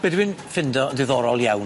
Be' dwi'n ffindo yn ddiddorol iawn...